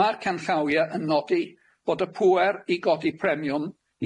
Ma'r canllawia yn nodi fod y pŵer i godi premiwm,